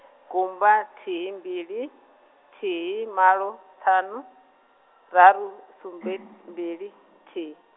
gumba thihi mbili, thihi malo ṱhanu, raru sumbe mbili, thihi.